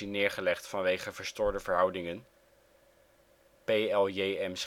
neergelegd vanwege verstoorde verhoudingen) P. L. J. M. Schings